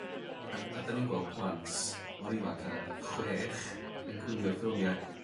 a a 'dan ni'n gweld plant mor ifanc a chwech yn gwylio'r ffilmie